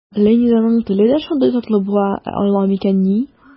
Ленизаның теле дә шундый татлы була ала микәнни?